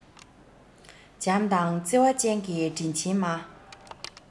བྱམས དང བརྩེ བ ཅན གྱི དྲིན ཆེན མ